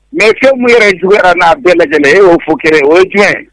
Mɛ se mun yɛrɛ juguyayara n'a bɛɛ nɛgɛ e y'o fo kelen o jumɛn